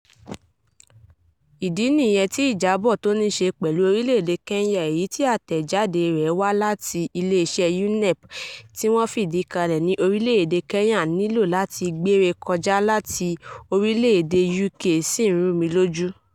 Ìdí nìyẹn tí ìjábọ̀ tí ó níí ṣe pẹ̀lú orílẹ̀ èdè Kenya èyí tí àtẹ̀jáde rẹ̀ wá láti ilé iṣẹ́ (UNEP) tí wọ́n fìdí kalẹ̀ ní orílẹ̀ èdè Kenya nílò láti gbee rékọjá láti orílẹ̀ èdè UK sì ń rú mi lójú.